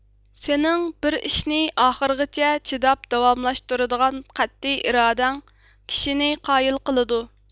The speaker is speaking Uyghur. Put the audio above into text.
سېنىڭ بىر ئىشنى ئاخىرغىچە چىداپ داۋاملاشتۇرىدىغان قەتئىي ئىرادەڭ كىشىنى قايىل قىلىدۇ